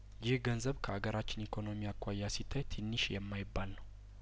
ይህ ገንዘብ ከሀገራችን ኢኮኖሚ አኳያ ሲታይ ቲኒሽ የማይባል ነው